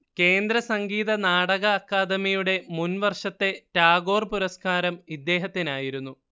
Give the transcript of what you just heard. കേന്ദ്രസംഗീതനാടക അക്കാദമിയുടെ മുൻവർഷത്തെ ടാഗോർ പുരസ്കാരം ഇദ്ദേഹത്തിനായിരുന്നു